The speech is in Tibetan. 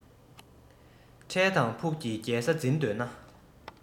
འཕྲལ དང ཕུགས ཀྱི རྒྱལ ས འཛིན འདོད ན